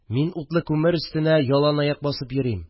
Мин утлы күмер өстенә яланаяк басып йөрим